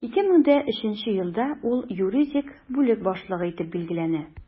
2003 елда ул юридик бүлек башлыгы итеп билгеләнә.